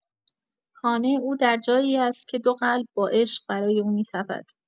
خانه او در جایی است که دو قلب با عشق برای او می‌تپد.